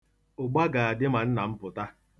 Ugba ga-adị ma nna m pụta.